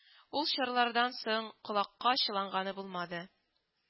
Ул чорлардан соң колакка чыланганы булмады